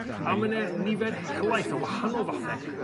A ma' 'ne nifer helaeth o wahanol fathe